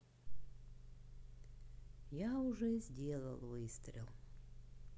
я уже сделал выстрел